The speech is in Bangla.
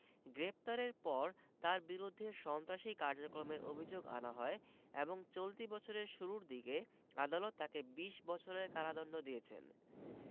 গ্রেপ্তারের পর তাঁর বিরুদ্ধে সন্ত্রাসী কার্যক্রমের অভিযোগ আনা হয় এবং চলতি বছরের শুরুর দিকে আদালত তাকে ২০ বছরের কারাদণ্ড দিয়েছেন